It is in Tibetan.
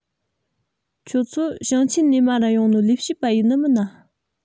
ཁྱོད ཚོ ཞིང ཆེན ནས མར ར ཡོང ནོ ལས བྱེད པ ཡིན ནི མིན ན